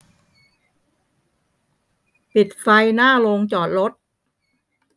ปิดไฟหน้าโรงจอดรถ